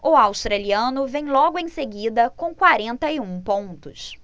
o australiano vem logo em seguida com quarenta e um pontos